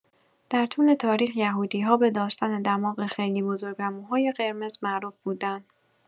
در طول تاریخ یهودی‌ها به داشتن دماغ خیلی بزرگ و موهای قرمز معروف بودن.